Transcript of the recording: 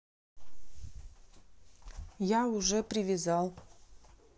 я уже привязал